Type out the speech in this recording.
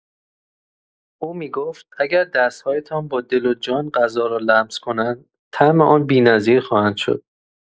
او می‌گفت: اگر دست‌هایتان با دل و جان غذا را لمس کنند، طعم آن بی‌نظیر خواهد شد.